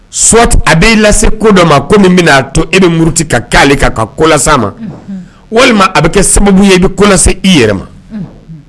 S a bɛ' i lase ko dɔ ma ko min bɛna' a to e bɛ muruti ka kɛ ale kan ka kolasa ma walima a bɛ kɛ sababu ye i bɛ ko i yɛrɛ ma